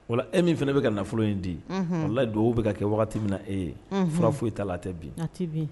Wa e min fana ne bɛka ka nafolo in di o dɔw bɛ ka kɛ wagati min na e ye fura foyi e ta la tɛ bi